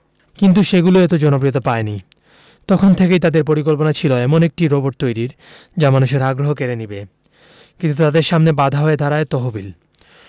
কিন্তু সেগুলো এত জনপ্রিয়তা পায়নি তখন থেকেই তাদের পরিকল্পনা ছিল এমন একটি রোবট তৈরির যা মানুষের আগ্রহ কেড়ে নেবে কিন্তু তাদের সামনে বাধা হয়ে দাঁড়ায় তহবিল